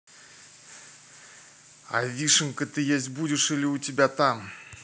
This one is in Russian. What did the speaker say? а вишенка ты есть будешь или у тебя там